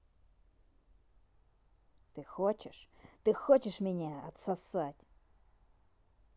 ты хочешь ты хочешь меня отсосать